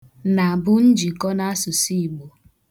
'Na' bụ njikọ n'asụsụ Igbo.